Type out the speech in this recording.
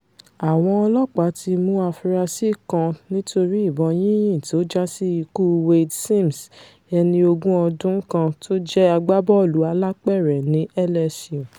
Àwọn ọlọ́ọ̀pá ti mú afurasí kan nítorí ìbọn yínyín tó jásí ikú Wayde Sims, ẹni ogún ọdún kan tó jẹ́ agbábọ́ọ̀lù alápẹ̀rẹ̀ ní LSU.